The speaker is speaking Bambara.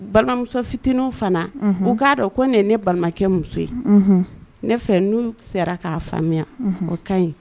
Balimamuso fitinin fana u k'a dɔn ko nin ne balimakɛ muso ye ne fɛ n'u sera k'a faamuya o ka ɲi